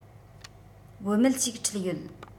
བུད མེད ཞིག ཁྲིད ཡོད